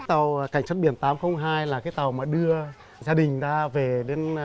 tàu thầy chấm điểm tám không hai là cái tàu mà đưa gia đình ta về đến